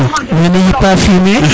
wene yima fumier